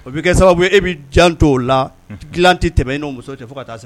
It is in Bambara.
O bɛ kɛ sababu e bɛ jan to o la dilan tɛ tɛmɛ n muso tɛ ka taa